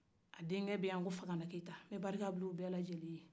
a denkɛ bɛ yan ko fakada keita nbɛ barika bila u bɛ ye